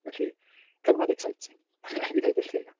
Felly, cyfnod exciting i ddeud y lleiaf.